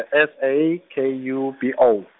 S A K U B O.